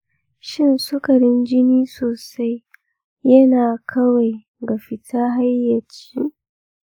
shin sukarin jini sosai ya na kawai ga fita hayaci?